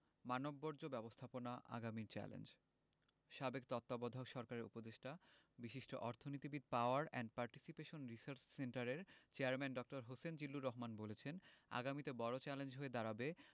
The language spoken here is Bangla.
মানববর্জ্য ব্যবস্থাপনা আগামীর চ্যালেঞ্জ সাবেক তত্ত্বাবধায়ক সরকারের উপদেষ্টা বিশিষ্ট অর্থনীতিবিদ পাওয়ার অ্যান্ড পার্টিসিপেশন রিসার্চ সেন্টারের চেয়ারম্যান ড হোসেন জিল্লুর রহমান বলেছেন আগামীতে বড় চ্যালেঞ্জ হয়ে দাঁড়াবে